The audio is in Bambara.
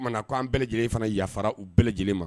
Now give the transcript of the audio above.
O ko'an bɛɛ lajɛlen fana yafara u bɛɛ lajɛlen ma